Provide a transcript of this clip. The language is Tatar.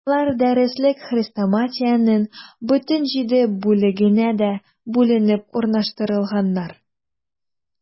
Алар дәреслек-хрестоматиянең бөтен җиде бүлегенә дә бүленеп урнаштырылганнар.